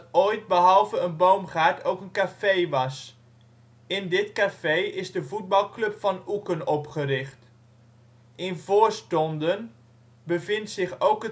ooit behalve een boomgaard ook een café was. In dit café is de voetbalclub van Oeken opgericht. In Voorstonden bevindt zich ook